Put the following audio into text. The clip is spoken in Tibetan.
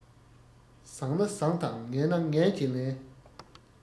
བཟང ན བཟང དང ངན ན ངན གྱི ལན